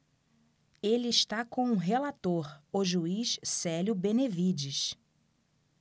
ele está com o relator o juiz célio benevides